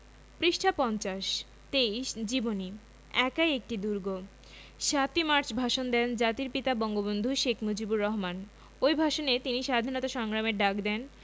পৃষ্ঠা ৫০ ২৩ জীবনী একাই একটি দুর্গ ৭ই মার্চ ভাষণ দেন জাতির পিতা বঙ্গবন্ধু শেখ মুজিবুর রহমান ওই ভাষণে তিনি স্বাধীনতা সংগ্রামের ডাক দেন